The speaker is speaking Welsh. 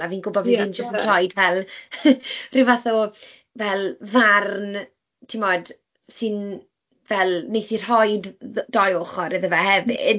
A fi'n gwybod fydd hi'm... ie <aneglur. ...jyst yn rhoid fel rhyw fath o fel farn timod sy'n fel... wneith hi rhoid dou ochr iddo fe hefyd.